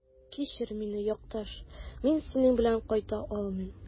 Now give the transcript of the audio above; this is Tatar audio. Кичер мине, якташ, мин синең белән кайта алмыйм.